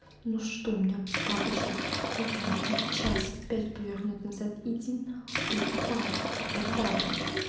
ну что у меня папочка будет хуя вить час опять повернет назад иди нахуй блядь тупая тварь батата